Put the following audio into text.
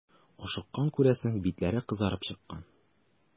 Ашыккан, күрәсең, битләре кызарып чыккан.